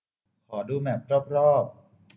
ขอดูแมพรอบรอบ